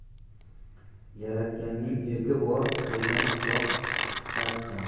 yaratganning erki bor qaydan buloq chiqarsa